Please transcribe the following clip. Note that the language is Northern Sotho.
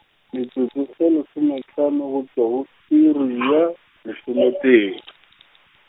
metsotso e lesomehlano go tšwa go iri ya, lesometee.